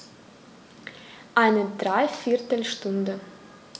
Eine dreiviertel Stunde